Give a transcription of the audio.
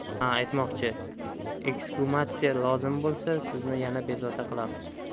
ha aytmoqchi eksgumatsiya lozim bo'lsa sizni yana bezovta qilamiz